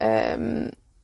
yym,